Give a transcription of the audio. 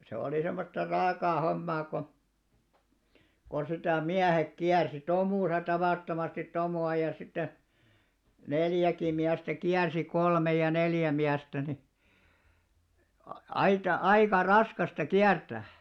se oli semmoista raakaa hommaa kun kun sitä miehet kiersi tomussa tavattomasti tomua ja sitten neljäkin miestä kiersi kolme ja neljä miestä niin - aita aika raskasta kiertää